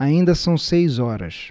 ainda são seis horas